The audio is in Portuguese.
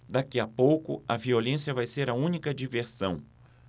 daqui a pouco a violência vai ser a única diversão